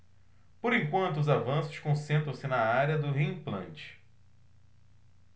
por enquanto os avanços concentram-se na área do reimplante